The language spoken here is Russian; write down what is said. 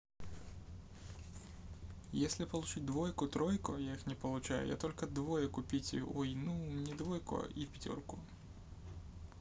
если получить двойку тройку я их не получаю я только двое купите ой ну не двойку и пятерку